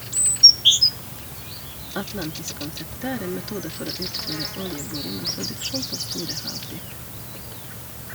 Atlantis-konseptet er en metode for å utføre oljeboring og produksjon på store havdyp.